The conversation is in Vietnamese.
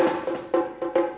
đầu